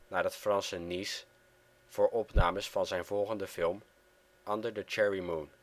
naar het Franse Nice voor opnames van zijn volgende film, Under the Cherry Moon